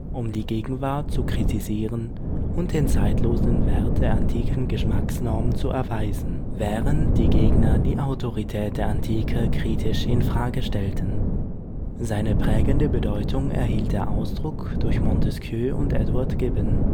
um die Gegenwart zu kritisieren und den zeitlosen Wert der antiken Geschmacksnorm zu erweisen, während die Gegner die Autorität der Antike kritisch in Frage stellten. Seine prägende Bedeutung erhielt der Ausdruck durch Montesquieu und Edward Gibbon